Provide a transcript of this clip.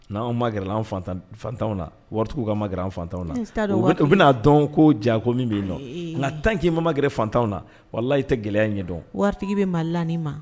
N'an anw ma kɛra antan fantanw na waritigi' ma kɛra an fantanw na u bɛna dɔn ko ja ko min bɛ yen dɔn nka tan k'i ma kɛra fantanw na wala i tɛ gɛlɛya ɲɛ dɔn waritigi bɛ ma lain ma